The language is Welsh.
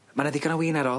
Ma' na ddigon o wîn ar ôl.